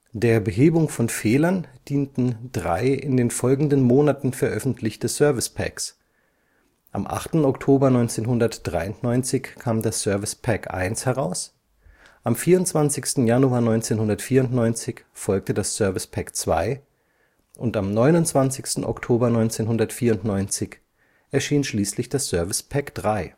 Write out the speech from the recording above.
Der Behebung von Fehlern dienten drei in den folgenden Monaten veröffentlichte Service Packs: Am 8. Oktober 1993 kam das Service Pack 1 heraus, am 24. Januar 1994 folgte das Service Pack 2 und am 29. Oktober 1994 erschien schließlich das Service Pack 3.